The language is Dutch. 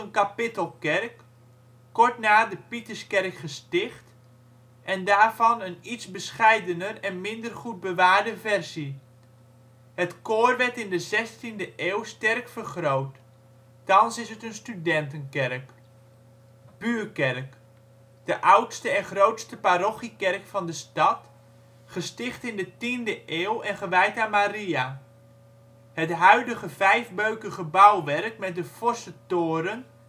kapittelkerk, kort na de Pieterskerk gesticht en daarvan een iets bescheidener en minder goed bewaarde versie. Het koor werd in de zestiende eeuw sterk vergroot. Thans studentenkerk. Buurkerk, de oudste en grootste parochiekerk van de stad, gesticht in de tiende eeuw en gewijd aan Maria. Het huidige vijfbeukige bouwwerk met de forse toren